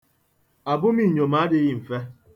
Abụmiinyom adịghị mfe.